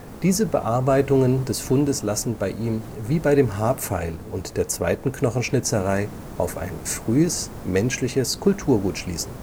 Diese Bearbeitungen des Fundes lassen bei ihm wie bei dem „ Haarpfeil “und der zweiten Knochenschnitzerei auf ein frühes menschliches Kulturgut schließen